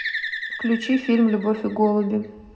включи фильм любовь и голуби